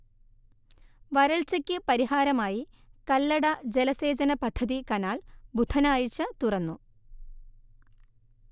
വരൾച്ചയ്ക്ക് പരിഹാരമായി കല്ലട ജലസേചനപദ്ധതി കനാൽ ബുധനാഴ്ച തുറന്നു